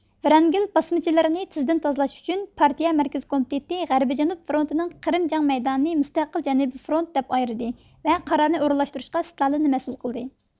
ۋرانگېل باسمىچىلىرىنى تېزدىن تازىلاش ئۈچۈن پارتىيە مەركىزىي كومىتېتى غەربىي جەنۇب فرونتىنىڭ قىرىم جەڭ مەيدانىنى مۇستەقىل جەنۇبىي فرونىت دەپ ئايرىدى ۋە قارارنى ئورۇنلاشتۇرۇشقا ستالىننى مەسئۇل قىلدى